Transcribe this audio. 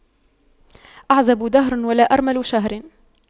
أعزب دهر ولا أرمل شهر